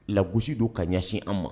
Laurusi don ka ɲɛsin an ma